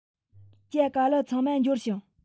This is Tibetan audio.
ཇ ག ལི ཚང མ འབྱོར བྱུང